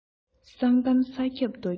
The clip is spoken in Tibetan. གསང གཏམ ས ཁྱབ རྡོ ཁྱབ